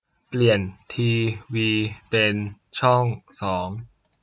เปลี่ยนทีวีเป็นช่องสอง